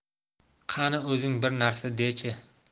qani o'zing bir narsa dechi